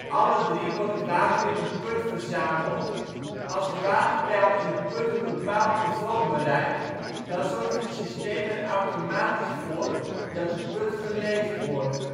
alle drie wordt het water in een put verzameld. Als het waterpeil in de put een bepaald niveau bereikt, dan zorgt het systeem er automatisch voor dat de put geleegd wordt